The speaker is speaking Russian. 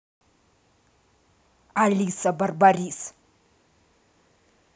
алиса барбарис